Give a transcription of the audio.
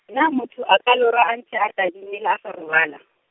na motho a ka lora a ntse a tadimile a sa robala?